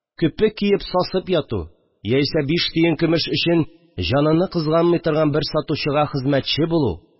Көпе киеп сасып яту яисә биш тиен көмеш өчен җаныны кызганмый торган бер сатучыга хезмәтче булу